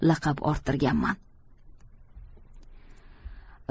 laqab orttirganman